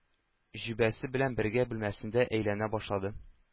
Җөббәсе белән бергә бүлмәсендә әйләнә башлады.